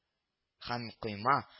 Һәм койма